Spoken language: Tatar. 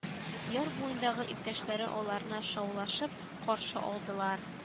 Яр буендагы иптәшләре аларны шаулашып каршы алдылар